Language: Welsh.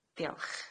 Diolch.